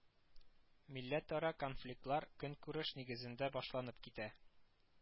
Милләтара конфликтлар көнкүреш нигезендә башланып китә